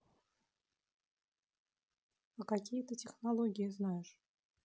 а какие ты технологии знаешь